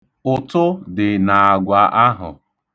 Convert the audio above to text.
Ụtụ dị n'agwa ahụ.